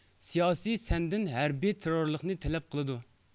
سىياسىي سەندىن ھەربىي تېررورلۇقنى تەلەپ قىلىدۇ